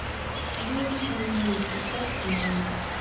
вечно мне сейчас ноль